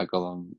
ag odd o'n